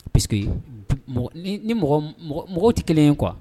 Parce que ni mɔgɔ mɔgɔ tɛ kelen ye kuwa